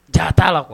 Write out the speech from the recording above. Jaa t' la kuwa